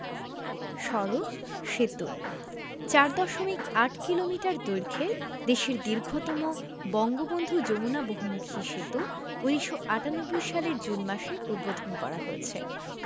সড়কঃ সেতু ৪দশমিক ৮ কিলোমিটার দৈর্ঘ্যের দেশের দীর্ঘতম বঙ্গবন্ধু যমুনা বহুমুখী সেতু ১৯৯৮ সালের জুন মাসে উদ্বোধন করা হয়েছে